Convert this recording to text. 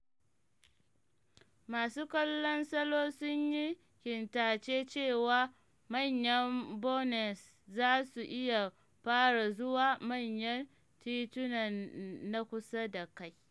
Masu kallon salo sun yi kintace cewa manyan bonnets za su iya fara zuwa manyan titunan na kusa da kai.